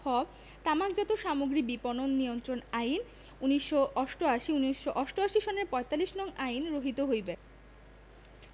খ তামাকজাত সামগ্রী বিপণন নিয়ন্ত্রণ আইন ১৯৮৮ ১৯৮৮ সনের ৪৫ নং আইন রহিত হইবে